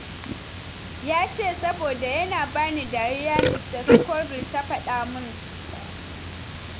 “Yace, “Saboda yana bani dariya,” Mr. Scovell ta faɗa mun.